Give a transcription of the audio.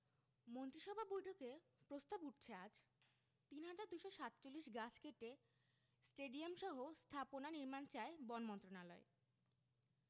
মন্ত্রিসভা বৈঠকে প্রস্তাব উঠছে আজ ৩২৪৭ গাছ কেটে স্টেডিয়ামসহ স্থাপনা নির্মাণ চায় বন মন্ত্রণালয়